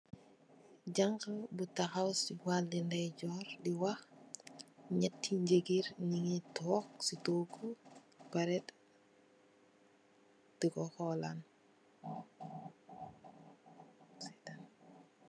Janha bu tahaw sey wali Ndey jorr d wah nyeti gigain nyungi tog sey togu beh pareh d ko holand .